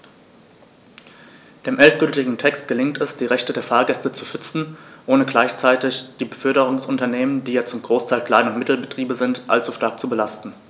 Dem endgültigen Text gelingt es, die Rechte der Fahrgäste zu schützen, ohne gleichzeitig die Beförderungsunternehmen - die ja zum Großteil Klein- und Mittelbetriebe sind - allzu stark zu belasten.